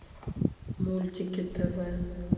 мультики тв